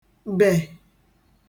-bè